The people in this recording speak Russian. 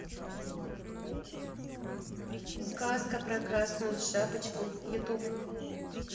сказка про красную шапочку ютуб